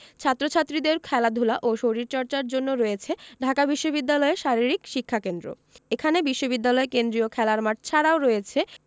ছাত্র ছাত্রীদের খেলাধুলা ও শরীরচর্চার জন্য রয়েছে ঢাকা বিশ্ববিদ্যালয়ে শারীরিক শিক্ষাকেন্দ্র এখানে বিশ্ববিদ্যালয় কেন্দ্রীয় খেলার মাঠ ছাড়াও রয়েছে